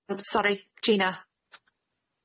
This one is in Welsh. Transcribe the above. Yym sori Gina.